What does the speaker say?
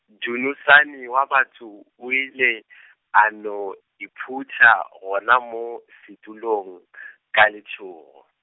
Dunusani wa batho o ile , a no iphutha gona moo setulong , ka letšhogo.